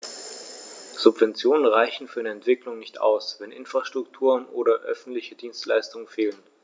Subventionen reichen für eine Entwicklung nicht aus, wenn Infrastrukturen oder öffentliche Dienstleistungen fehlen.